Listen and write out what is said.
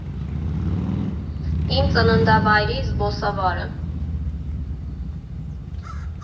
Իր ծննդավայրի զբոսավարը։